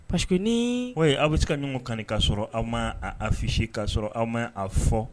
Parceque ni oui aw bi se ka ɲɔgɔn kani ka sɔrɔ aw ma a affiché ka sɔrɔ aw ma a fɔ.